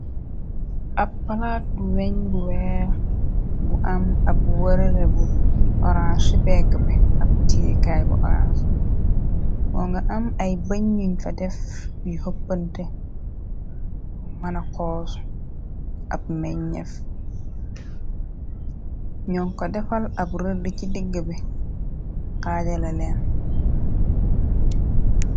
ab palaak bu weñ bu weer bu am ab wërare bu orange chipegg bi ab tiekaay bu orange mo nga am ay bëñ yuñ fa def bi hoppante mëna xoos ab meñ ñeef ñoon ko defal ab rëdd ci digg bi xaajala leen